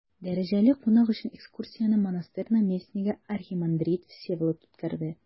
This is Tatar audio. Дәрәҗәле кунак өчен экскурсияне монастырь наместнигы архимандрит Всеволод үткәрде.